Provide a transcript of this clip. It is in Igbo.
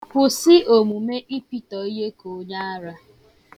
Kwụsị omume ịpịtọ ihe ka onyeara.